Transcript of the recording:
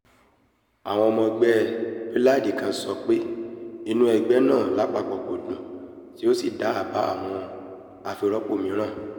ọmọ ẹgbẹ́ Plaid kan sọpé inú ẹgbẹ náà lápapò "kò dùn" tí ó sì dá àbá àwọn àfirọ́pò mìíràn.